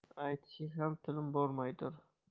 aytishga ham tilim bormaydir